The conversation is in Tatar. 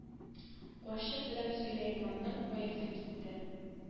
Карчык белән сөләйманның каефе китте